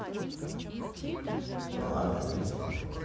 милана песни